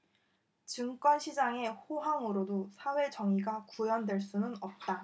증권 시장의 호황으로도 사회 정의가 구현될 수는 없다